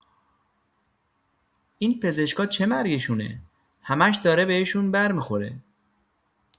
این پزشکا چه مرگشونه همه‌ش داره بهشون بر می‌خوره؟